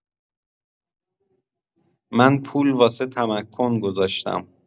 من پول واسه تمکن گذاشتم